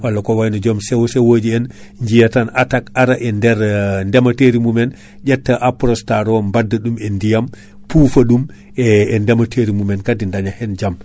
walla ko wayno joom sewo sewoji en jiya tan attaque ara e nder ndeemateri mumen ƴetta Aprostar o badda ɗum e ndiyam puffa ɗum e ndemateri mumen kaadi daña hen jaam